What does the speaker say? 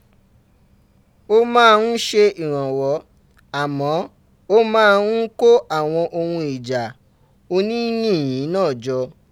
O máa ń ṣe ìrànwọ́, àmọ́ o máa ń kó àwọn ohun ìjà oníyìnyín náà jọ.